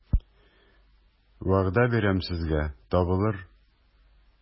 Вәгъдә бирәм сезгә, табылыр...